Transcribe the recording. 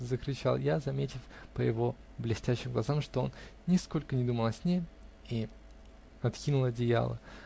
-- закричал я, заметив по его блестящим глазам, что он нисколько не думал о сне, и откинул одеяло.